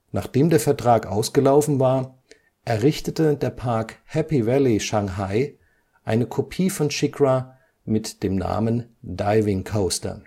Nachdem der Vertrag ausgelaufen war, errichtete der Park Happy Valley Shanghai eine Kopie von SheiKra mit dem Namen Diving Coaster